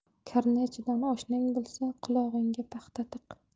karnaychidan oshnang bo'lsa qulog'ingga paxta tiq